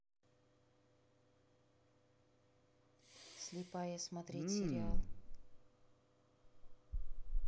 слепая смотреть сериал